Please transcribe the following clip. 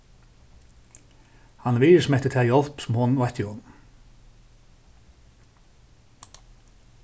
hann virðismetti ta hjálp sum hon veitti honum